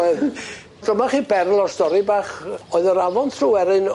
Oedd. Dyma chi berl o stori bach, oedd yr afon Tryweryn